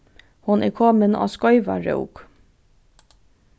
hon er komin á skeiva rók